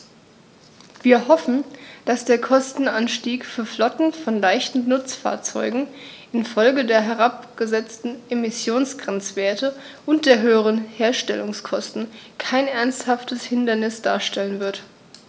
Wir hoffen, dass der Kostenanstieg für Flotten von leichten Nutzfahrzeugen in Folge der herabgesetzten Emissionsgrenzwerte und der höheren Herstellungskosten kein ernsthaftes Hindernis darstellen wird.